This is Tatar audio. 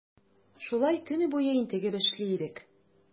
Шулай көне буе интегеп эшли идек.